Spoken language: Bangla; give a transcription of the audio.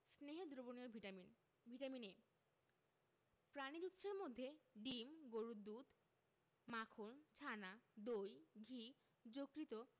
স্নেহে দ্রবণীয় ভিটামিন ভিটামিন A প্রাণিজ উৎসের মধ্যে ডিম গরুর দুধ মাখন ছানা দই ঘি যকৃৎ